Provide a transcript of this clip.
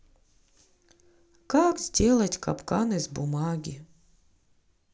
как сделать капкан из бумаги